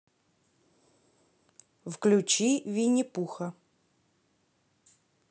включи винни пуха